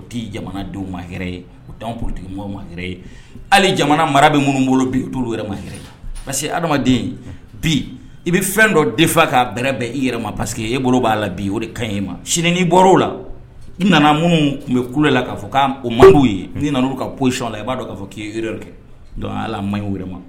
O tɛ jamanadenw ma wɛrɛ ye otigi ma ye hali jamana mara bɛ minnu bolo bi tolu wɛrɛ ma ye parce que adamaden bi i bɛ fɛn dɔ de k'a bɛrɛ bɛn i yɛrɛ ma parce que e bolo b'a la bi o de ka e ma sin' bɔra o la i nana minnu tun bɛ ku la k'a fɔ k' o ma ye n nan ka psiyɔn la i b'a k'a fɔ k'i yɛrɛ kɛ dɔn ala man wɛrɛ ma